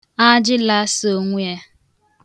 ajịlaàsàonweẹ